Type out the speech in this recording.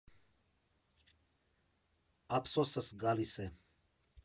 Ափսոսս գալիս է։